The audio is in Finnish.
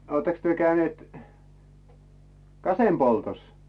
olettekos te käyneet kaskenpoltossa